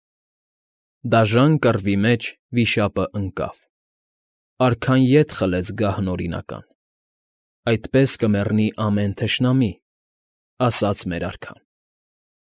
Դաժան կռվի մեջ վիշապը ընկավ, Արքան ետ խլեց գահն օրինական, Այդպես կմեռնի ամեն թշնամի՝ Ասաց մեր արքան։